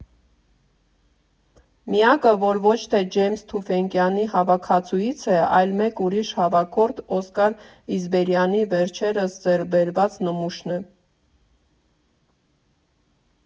Միակը, որ ոչ թե Ջեյմս Թուֆենկյանի հավաքածուից է, այլ մեկ ուրիշ հավաքորդ՝ Օսկար Իզբերյանի վերջերս ձեռքբերված նմուշն է։